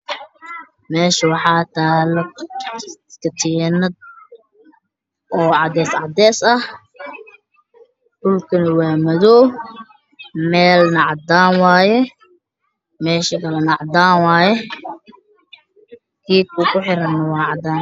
Meeshaan waxaa taalo katiinad oo cadeys ah, dhulkana waa madow, meelna waa cadaan, meesha kalana waa cadaan geedka kuxiran waa cadaan.